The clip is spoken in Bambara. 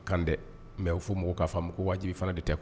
Kan dɛ mɛ o fo mɔgɔw k'a fɔ ko wajibi fana de tɛ kuwa